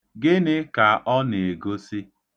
Gịnị ka ọ na-egosi?